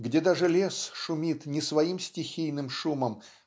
где даже лес шумит не своим стихийным шумом